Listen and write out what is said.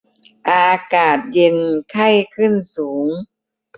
อากาศเย็นไข้ขึ้นสูง